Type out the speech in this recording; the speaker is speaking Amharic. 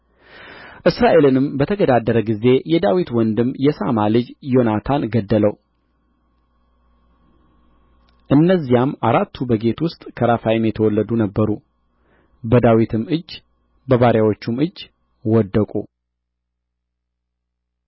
እስራኤልንም በተገዳደረ ጊዜ የዳዊት ወንድም የሣማ ልጅ ዮናታን ገደለው እነዚያም አራቱ በጌት ውስጥ ከራፋይም የተወለዱ ነበሩ በዳዊትም እጅ በባሪያዎቹም እጅ ወደቁ